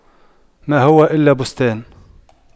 ما هو إلا بستان